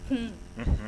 Hun, unhun!